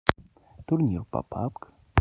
турнир по пабг